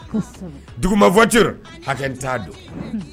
Dugumafɔ hakɛ t'a dɔn